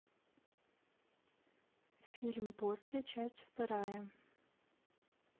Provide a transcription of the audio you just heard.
фильм после часть вторая